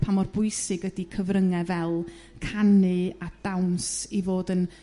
pa mor bwysig ydi cyfrynge fel canu a dawns i fod yn